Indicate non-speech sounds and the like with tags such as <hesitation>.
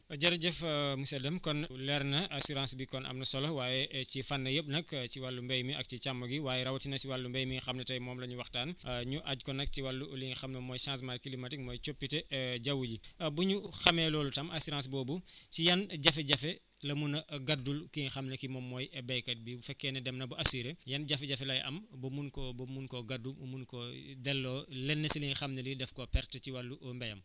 <hesitation> <hesitation> jërëjëf <hesitation> monsieur Deme kon leer na assurance bi kon am na solo waaye ci fànn yëpp nag ci wàllu mbéy mi ak ci càmm gi waaye rawatina ci wàllu mbéy mi nga xam ne tey moom la ñuy waxtaan <hesitation> ñu aj ko nag ci wàllu li nga xam ne mooy changement climatique mooy coppite <hesitation> jaww ji bu ñu xamee loolu i tam assurance boobu ci yan jafe-jafe la mun a gaddul ki nga xam ne ki moom mooy béykat bi bu fekkee ne dem na ba assuré yan jafe-jafe lay am ba mun koo ba mun koo gaddu mun koo <hesitation> delloo lenn si li nga xam ne li daf ko perte ci wàllu mbéyam